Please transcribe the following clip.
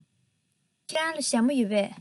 ཁྱེད རང ལ ཞྭ མོ ཡོད པས